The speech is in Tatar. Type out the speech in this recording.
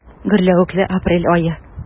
Гөрләвекле апрель ае.